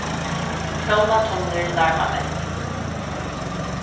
tómar tunnur larma mest